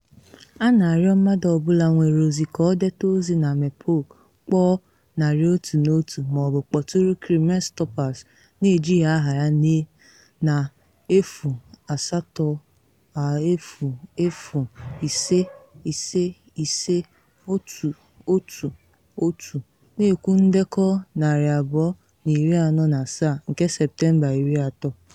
A na arịọ mmadụ ọ bụla nwere ozi ka ọ dete ozi na @MerPolCC, kpọọ 101 ma ọ bụ kpọtụrụ Crimestoppers na ejighi aha ya na 0800 555 111 na ekwu ndekọ 247 nke Septemba 30.